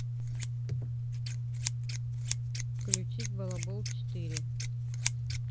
включить балабол четыре